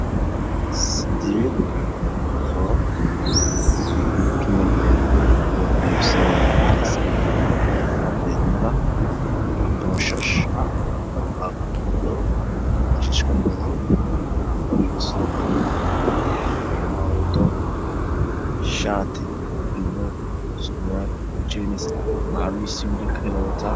Waa siddeed qofood mid kamid ah waxuu ku labisan yahay dareeska askarta iyo booshash, kabo buudbuud madow ah , booshash madow, qoriga madow, nin ayaa wato shaati madow iyo surwaal jeemis ah mid kalana macawis ayuu wataa .